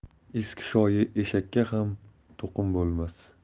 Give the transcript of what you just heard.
eski shoyi eshakka ham to'qim bo'lmas